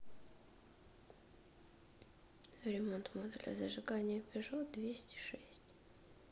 ремонт модуля зажигания пежо двести шесть